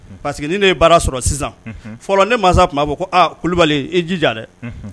Paseke' baara sɔrɔ sisan fɔlɔ ne mansa tun b'a fɔ ko kulubali i jija dɛ